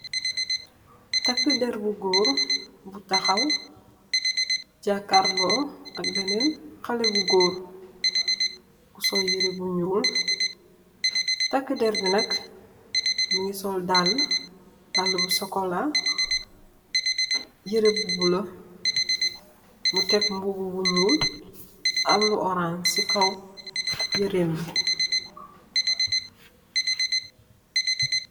Takeder bu goor bu taxaw, jaakarlo ak bena xale bu goor, bu sol yere bu nyuul, takeder bi nak mingi sol daale, daale bu sokola, yere bu bula, mu tek mbubu bu nyuul am lu oras si kaw yereem bi